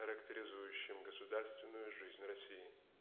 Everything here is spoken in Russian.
характеризующим государственную жизнь России.